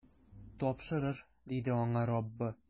Тапшырыр, - диде аңа Раббы.